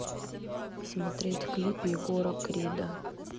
смотреть клип егора крида